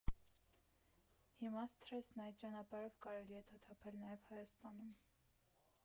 Հիմա սթրեսն այդ ճանապարհով կարելի է թոթափել նաև Հայաստանում։